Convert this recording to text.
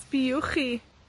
Sbïwch chi